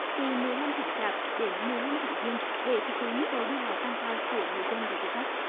từ mười lăm tháng chạp đến mười lăm tháng giêng để phục vụ nhu cầu đi lại tăng cao của người dân và du khách